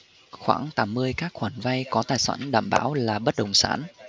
khoảng tám mươi các khoản vay có tài sản đảm bảo là bất động sản